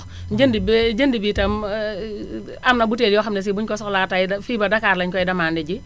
njënd bee jënd bi itam am na butéel yoo xam ne si buñu ko soxlaa tey fii ba Dakar lañu koy demandé jee